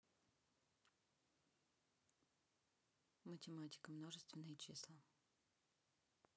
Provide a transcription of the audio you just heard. математика множественные числа